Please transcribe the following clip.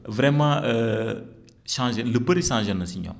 vraiment changé lu bëri changé na si ñoom